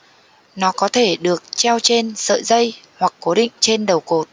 nó có thể được treo trên sợi dây hoặc cố định trên đầu cột